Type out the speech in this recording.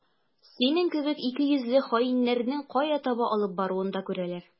Синең кебек икейөзле хаиннәрнең кая таба алып баруын да күрәләр.